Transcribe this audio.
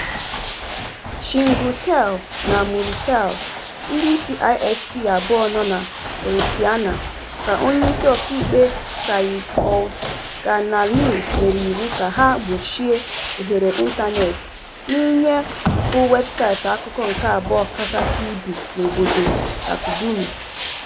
Chinguitel na Mauritel, ndị isi ISP abụọ nọ na Mauritania ka onye isi ọkàikpe, Seyid Ould Ghaïlani nyere iwu ka ha gbochie ohere ịntaneetị n'ihe bụ weebụsaịtị akụkọ nke abụọ kachasị ibu n'obodo, Taqadoumy.